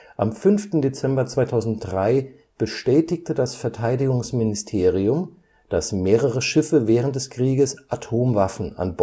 Am 5. Dezember 2003 bestätigte das Verteidigungsministerium („ Ministry of Defence “), dass mehrere Schiffe während des Krieges Atomwaffen an